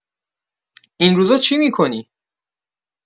این روزا چی می‌کنی؟